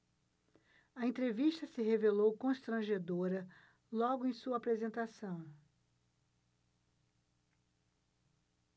a entrevista se revelou constrangedora logo em sua apresentação